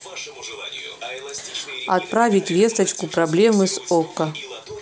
отправить весточку проблемы с okko